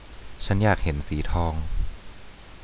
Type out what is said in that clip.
ฉันอยากเห็นสีทอง